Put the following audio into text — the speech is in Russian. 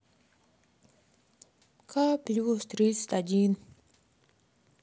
ка плюс тридцать один